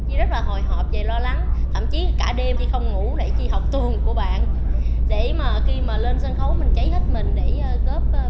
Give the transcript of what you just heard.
chi rất là hồi hộp và lo lắng thậm chí cả đêm chi không ngủ để chi học tuồng của bạn để mà khi mà lên sân khấu mình cháy hết mình để góp